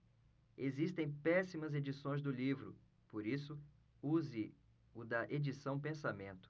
existem péssimas edições do livro por isso use o da edição pensamento